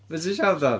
Be ti'n siarad am?